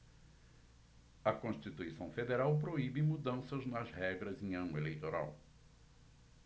a constituição federal proíbe mudanças nas regras em ano eleitoral